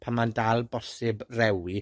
pan ma'n dal bosib rewi.